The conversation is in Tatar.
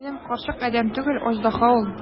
Минем карчык адәм түгел, аждаһа ул!